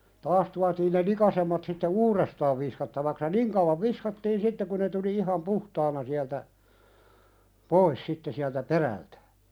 taas tuotiin ne likaisemmat sitten uudestaan viskattavaksi ja niin kauan viskattiin sitten kun ne tuli ihan puhtaana sieltä pois sitten sieltä perältä